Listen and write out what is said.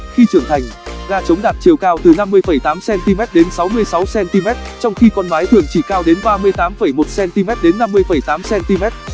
khi trưởng thành gà trống đạt chiều cao từ cm đến cm trong khi con mái thường chỉ cao đến cm đến cm